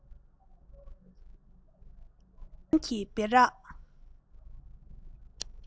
རྟགས ཅན གྱི སྦི རག